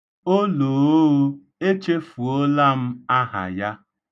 Olooo! Echefuola m aha ya!